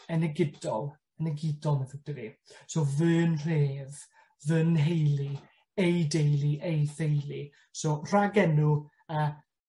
enegydol, enigidol ma'n drwg 'da fi. So fy'n nhref, fy'n nheulu, ei deulu, ei theulu. So rhagenw yy